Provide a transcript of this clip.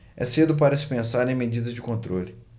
é cedo para se pensar em medidas de controle